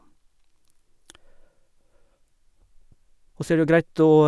Og så er det jo greit å...